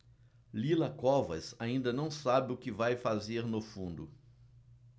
lila covas ainda não sabe o que vai fazer no fundo